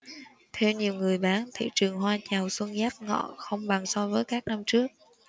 theo nhiều người bán thị trường hoa chào xuân giáp ngọ không bằng so với các năm trước